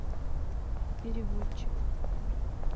переводчик